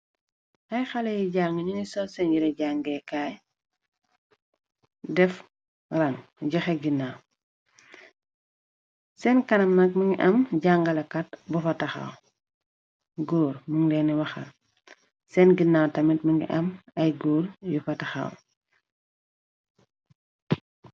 Aay xale yi jaang ñu ni soof seen jire jàngeekaay def rang joxe ginnaw seen kanam nag mi ngi am jàngalakat bu fa taxaw gór mungeeni waxal seen ginnaaw tamit mi ngi am ay gór yu fa taxaw.